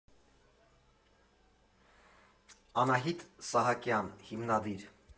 ԱՆԱՀԻՏ ՍԱՀԱԿՅԱՆ, հիմնադիր։